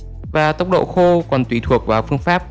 tốc độ khô còn tùy thuộc vào phương pháp của người sử dụng